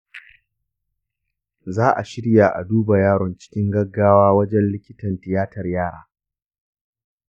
za a shirya a duba yaron cikin gaggawa wajen likitan tiyatar yara.